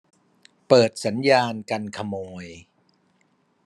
เปิดสัญญาณกันขโมย